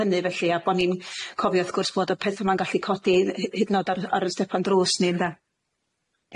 hynny felly a bo' ni'n cofio wrth gwrs bod y petha 'ma'n gallu codi hyd yn o'd ar ar 'yn stepan drws ni ynde?